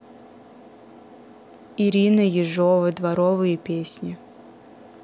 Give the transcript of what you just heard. ирина ежова дворовые песни